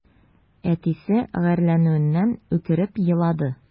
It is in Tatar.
Әтисе гарьләнүеннән үкереп елады.